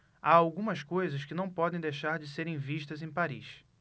há algumas coisas que não podem deixar de serem vistas em paris